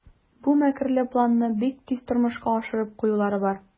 Бу мәкерле планны бик тиз тормышка ашырып куюлары бар.